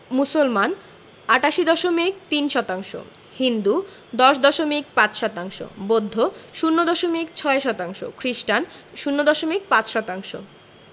মুসলমান ৮৮দশমিক ৩ শতাংশ হিন্দু ১০দশমিক ৫ শতাংশ বৌদ্ধ ০ দশমিক ৬ শতাংশ খ্রিস্টান ০দশমিক ৫ শতাংশ